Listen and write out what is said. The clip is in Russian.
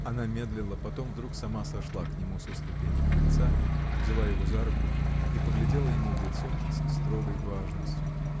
Она медлила, потом вдруг сама сошла к нему со ступеней крыльца, взяла его за руку и поглядела ему в лицо с строгой важностью.